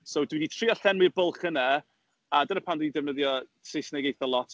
So dwi 'di trio llenwi'r bwlch yna, a dyna pan dwi'n defnyddio Saesneg eitha lot.